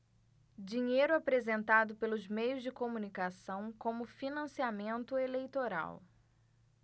dinheiro apresentado pelos meios de comunicação como financiamento eleitoral